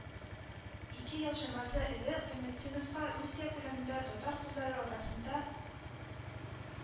Ике ел чамасы элек гыйлметдиновка русия күләмендә татар кызлары арасында